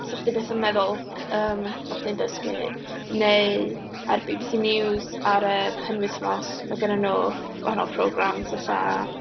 'sa chdi byth yn meddwl, yym, bod chdi'n dysgu, neu ar BBC News ar y penwythnos ma' gynnyn nhw gwahanol programmes, fatha...